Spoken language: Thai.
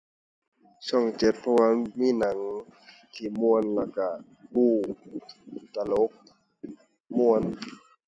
ช่องเจ็ดเพราะว่ามีหนังที่ม่วนแล้วก็บู๊ ตลก ม่วน